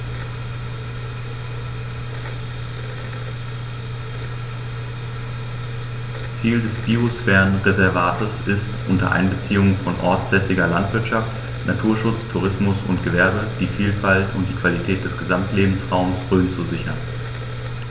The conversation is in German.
Ziel dieses Biosphärenreservates ist, unter Einbeziehung von ortsansässiger Landwirtschaft, Naturschutz, Tourismus und Gewerbe die Vielfalt und die Qualität des Gesamtlebensraumes Rhön zu sichern.